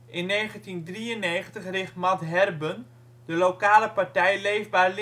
In 1993 richt Mat Herben de lokale partij Leefbaar